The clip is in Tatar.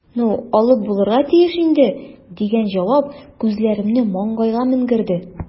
"ну, алып булырга тиеш инде", – дигән җавап күзләремне маңгайга менгерде.